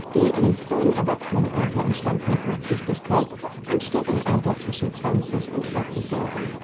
Die im frühen Erwachsenenalter entstandene Kurzsichtigkeit entsteht im Alter zwischen 20 und 40 Jahren